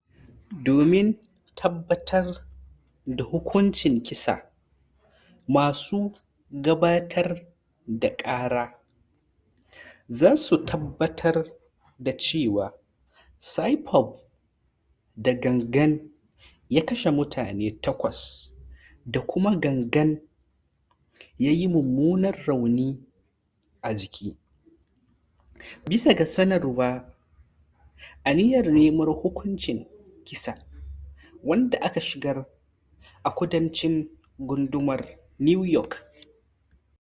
"Domin tabbatar da hukuncin kisa, masu gabatar da kara za su tabbatar da cewa Saipov "da gangan" ya kashe mutane takwas da kuma "da gangan"" ya yi mummunan rauni a jiki, bisa ga sanarwar aniyar neman hukuncin kisa, wanda aka shigar a Kudancin gundumar New York."